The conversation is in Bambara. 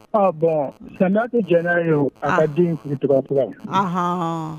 Ɔ bɔn san tɛ jɛnɛ ye a ka den furutkura